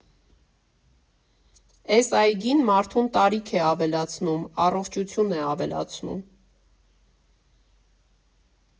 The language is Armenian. Էս այգին մարդուն տարիք է ավելացնում, առողջություն է ավելացնում։